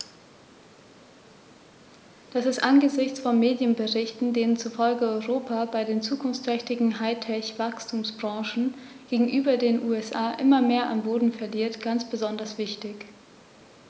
Das ist angesichts von Medienberichten, denen zufolge Europa bei den zukunftsträchtigen High-Tech-Wachstumsbranchen gegenüber den USA immer mehr an Boden verliert, ganz besonders wichtig.